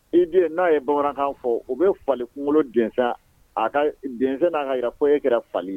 I den, n'a ye bamanankan fɔ, u bɛ fali kunkolo dessin a ka dessin kɛ a kan, k'a jira k'e kɛra fali ye.